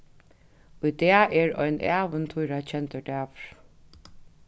í dag er ein ævintýrakendur dagur